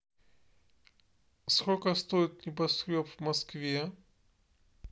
сколько стоит небоскреб в москве